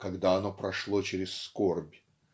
когда оно прошло через скорбь.